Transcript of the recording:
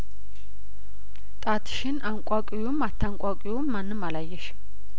ጣት ሽን አንቋቂውም አታንቋቂውም ማንም አላየሽም